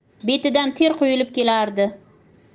betidan ter quyilib kelardi